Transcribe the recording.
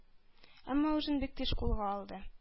Әмма үзен бик тиз кулга алды.